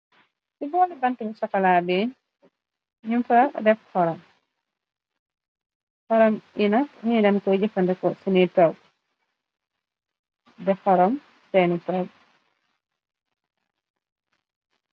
Ci booli banti lu sokala bi numfaa reroxorom ina niramko jëfandeko sini tog de xorom seenu prob.